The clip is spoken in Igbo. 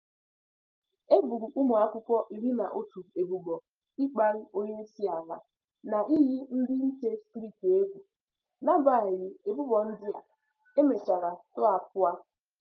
E boro ụmụakwụkwọ iri na otu ebubo "ịkparị onyeisiala" na "iyi ndị nche steeti egwu" n'agbanyeghị ebubo ndị a, e mechara tọhapụ ha.